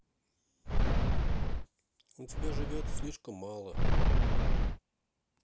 у тебя живет слишком мало